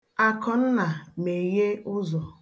Akụnna, meghee ụzọ.